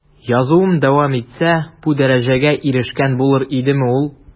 Язуын дәвам итсә, бу дәрәҗәгә ирешкән булыр идеме ул?